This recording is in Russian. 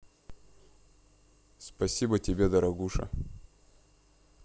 спасибо тебе дорогуша